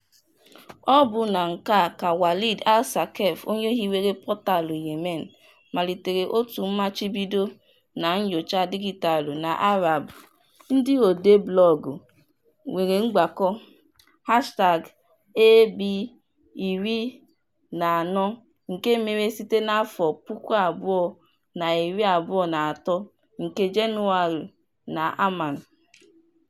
Ọ bụ na nke a ka Walid Al-Saqaf, onye hiwere Portal Yemen, malitere òtù mmachibido na nnyocha dijitaalụ n'Arab Bloggers Meeting # AB14 nke mere site na 20-23 nke Jenụwarị n'Amman.